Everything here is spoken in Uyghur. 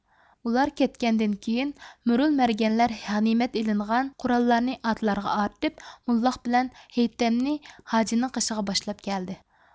ئۇلار كەتكەندىن كېيىن مىرۇل مەرگەنلەر غەنىيمەت ئېلىنغان قوراللارنى ئاتلارغا ئارتىپ موللاق بىلەن ھېيتەمنى ھاجىنىڭ قېشىغا باشلاپ كەلدى